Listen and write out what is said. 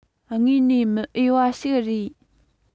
དངོས ནས མི འོས པ ཞིག རེད